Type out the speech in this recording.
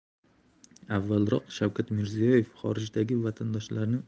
avvalroq shavkat mirziyoyev xorijdagi vatandoshlarni